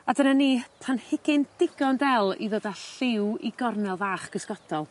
A dyna ni, planhigyn digon del i ddod â lliw i gornel fach gysgodol.